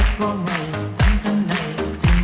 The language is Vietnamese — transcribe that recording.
có ngày tấm